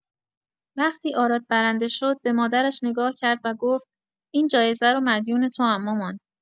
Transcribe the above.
وقتی آراد برنده شد، به مادرش نگاه کرد و گفت: «این جایزه رو مدیون توام، مامان!»